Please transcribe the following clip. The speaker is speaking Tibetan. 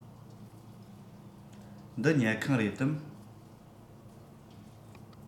འདི ཉལ ཁང རེད དམ